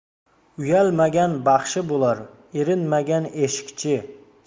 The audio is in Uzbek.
uyalmagan baxshi bo'lar erinmagan eshikchi